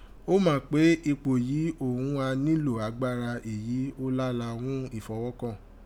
Ó mà pé ipò yìí òghun gha nílò agbára èyí o lála ghún ifowọ́kọ́n.